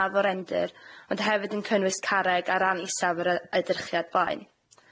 o'r rendyr ond hefyd yn cynnwys carreg ar ran isaf yr y- edrychiad blaen.